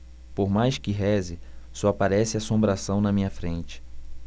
por mais que reze só aparece assombração na minha frente